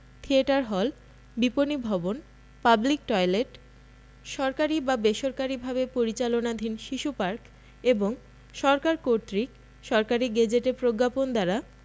theatre hall বিপণী ভবন public toilet সরকারী বা বেসরকারিভাবে পরিচালনাধীন শিশু পার্ক এবং সরকার কর্তৃক সরকারী গেজেটে প্রজ্ঞাপন দ্বারা